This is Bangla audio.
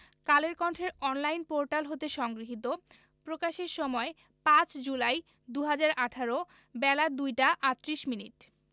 কালের কন্ঠের অনলাইন পোর্টাল হতে সংগৃহীত প্রকাশের সময় ৫ জুলাই ২০১৮ বেলা ২টা ৩৮ মিনিট